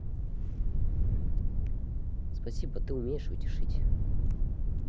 спасибо ты умеешь утешить